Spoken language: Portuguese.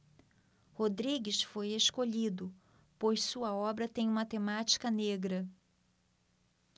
rodrigues foi escolhido pois sua obra tem uma temática negra